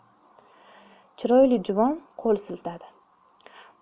chiroyli juvon qo'l siltadi